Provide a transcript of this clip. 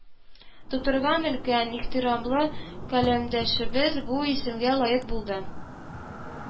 Тутырган өлкән, ихтирамлы каләмдәшебез бу исемгә лаек булды